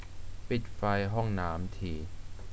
ปิดไฟห้องน้ำที